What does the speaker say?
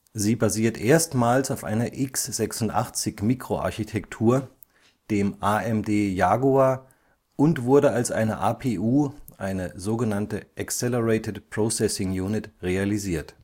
Sie basiert erstmals auf einer x86-Mikroarchitektur, dem AMD Jaguar, und wurde als eine APU (Accelerated Processing Unit) realisiert